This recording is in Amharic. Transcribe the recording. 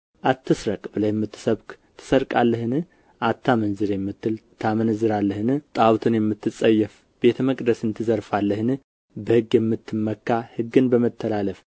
አትስረቅ ብለህ የምትሰብክ ትሰርቃለህን አታመንዝር የምትል ታመነዝራለህን ጣዖትን የምትጸየፍ ቤተ መቅደስን ትዘርፋለህን በሕግ የምትመካ ሕግን በመተላለፍ